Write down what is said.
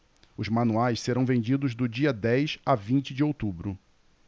os manuais serão vendidos do dia dez a vinte de outubro